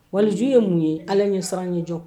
Waliju ye mun ye ala ye siran ye jɔ